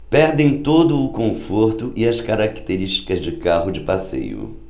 perdem todo o conforto e as características de carro de passeio